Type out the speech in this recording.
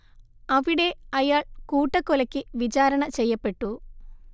അവിടെ അയാൾ കൂട്ടക്കൊലയ്ക്ക് വിചാരണ ചെയ്യപ്പെട്ടു